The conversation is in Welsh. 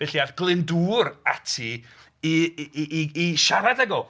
Felly aeth Glyndŵr ati i- i- i- i siarad ag o.